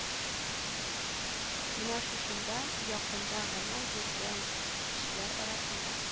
Менә шушында, якында гына йөргән кешеләр арасында